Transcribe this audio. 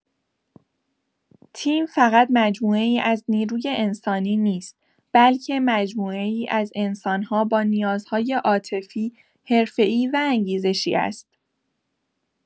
تیم فقط مجموعه‌ای از نیروی انسانی نیست، بلکه مجموعه‌ای از انسان‌ها با نیازهای عاطفی، حرفه‌ای و انگیزشی است.